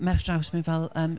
merch draws mewn fel, yym...